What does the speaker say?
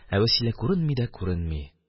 Ә Вәсилә күренми дә күренми